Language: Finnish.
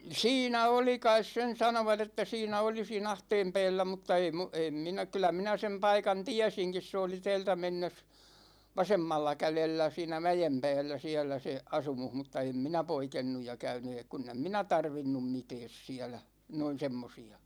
siinä oli kai sen sanoivat että siinä oli siinä ahteen päällä mutta ei - en minä kyllä minä sen paikan tiesinkin se oli täältä mennessä vasemmalla kädellä siinä mäen päällä siellä se asumus mutta en minä poikennut ja käynyt - kun en minä tarvinnut mitään siellä noin semmoisia